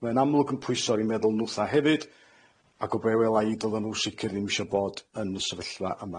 Mae'n amlwg yn pwyso ar 'u meddwl nwtha hefyd, ac o be' wela i, do'ddan n'w sicir ddim isio bod yn y sefyllfa yma.